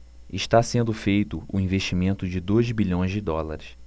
está sendo feito um investimento de dois bilhões de dólares